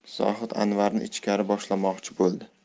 zohid anvarni ichkari boshlamoqchi bo'ldi